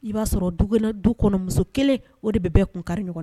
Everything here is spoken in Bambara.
I b'a sɔrɔ du kɔnɔ muso kelen o de bɛ bɛɛ kun kari ɲɔgɔn na.